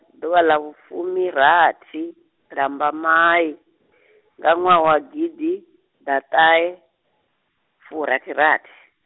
ḓuvha ḽa vhufumirathi, ḽambamai, nga ṅwaha wa gidiḓaṱahefurathirathi.